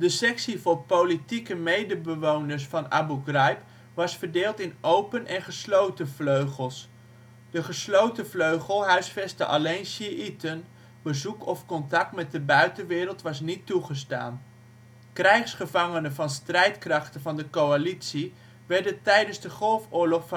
sectie voor politieke medebewoners van Abu Ghraib was verdeeld in " open " en " gesloten " vleugels. De gesloten vleugel huisvestte alleen Sjiïeten. Bezoek of contact met de buitenwereld waren niet toegestaan. Krijgsgevangenen van strijdkrachten van de coalitie werden tijdens de Golfoorlog